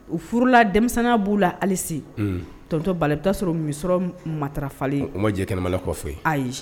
U furu la denmisɛnninya b'u la halisi ;Unhun ; tonton Bala, i bɛ t'a sɔrɔ misɔrɔ matarafalen U ma jɛ kɛnɛma la kɔ foyi